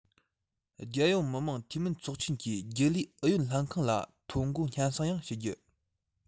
རྒྱལ ཡོངས མི དམངས འཐུས མི ཚོགས ཆེན གྱི རྒྱུན ལས ཨུ ཡོན ལྷན ཁང ལ ཐོ འགོད སྙན སེང ཡང ཞུ རྒྱུ